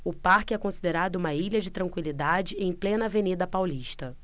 o parque é considerado uma ilha de tranquilidade em plena avenida paulista